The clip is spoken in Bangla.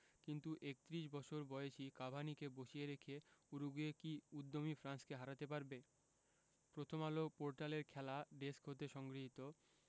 কিন্তু ৩১ বছর বয়সী কাভানিকে বসিয়ে রেখে উরুগুয়ে কি উদ্যমী ফ্রান্সকে হারাতে পারবে প্রথমআলো পোর্টালের খেলা ডেস্ক হতে সংগৃহীত